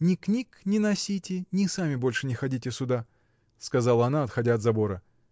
— Ни книг не носите, ни сами больше не ходите сюда, — сказала она, отходя от забора.